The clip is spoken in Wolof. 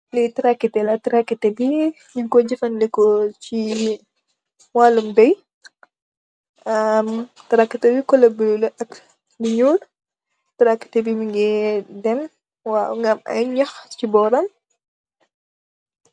Li trackiter, trackiter bi nyung koi jefa ndikoh si walam beye